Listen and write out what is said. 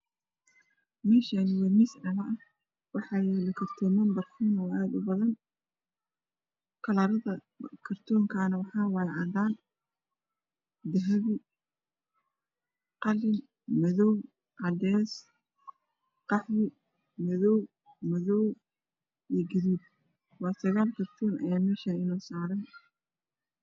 Meshan waa miis dhalo ah waxaa inoo saran kartoman aad ubadan midankodu waa cagar qalin madow cadees qaxwi gaduud